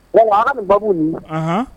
Donc a nin babu in, ɔnhɔn